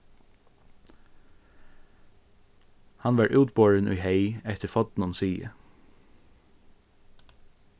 hann var útborin í heyg eftir fornum siði